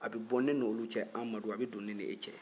a bɛ bɔ ne ni olu cɛ amadu a bɛ don ne ni e cɛ